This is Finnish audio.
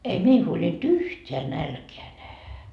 ei meidän huolinut yhtään nälkää nähdä